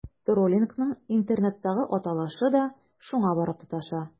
Троллингның интернеттагы аталышы да шуңа барып тоташа.